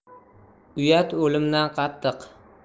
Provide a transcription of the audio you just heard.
uyat o'limdan qattiq